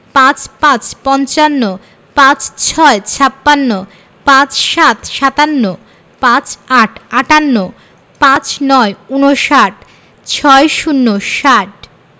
৫৫ – পঞ্চান্ন ৫৬ – ছাপ্পান্ন ৫৭ – সাতান্ন ৫৮ – আটান্ন ৫৯ - ঊনষাট ৬০ - ষাট